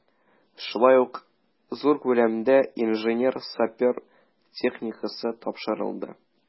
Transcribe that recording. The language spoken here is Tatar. Шулай ук зур күләмдә инженер-сапер техникасы тапшырылды.